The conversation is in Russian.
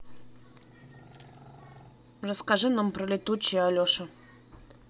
расскажи нам про летучие алеша